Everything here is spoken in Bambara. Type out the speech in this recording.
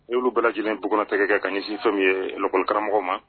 A yulu bɛɛ lajɛlen du kɔnɔ tigɛ kɛ ka ɲɛ sin fɛn min ye école karamɔgɔ ma